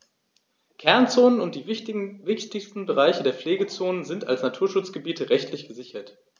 Kernzonen und die wichtigsten Bereiche der Pflegezone sind als Naturschutzgebiete rechtlich gesichert.